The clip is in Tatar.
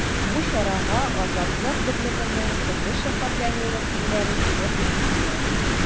Бу чарага “Азатлык” берлегенең төрле шәһәрдәге вәкилләре килер дип көтелә.